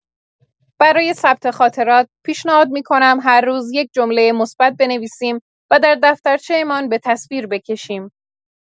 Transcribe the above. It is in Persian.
برای ثبت خاطرات، پیشنهاد می‌کنم هر روز یک جمله مثبت بنویسیم و در دفترچه‌مان به تصویر بکشیم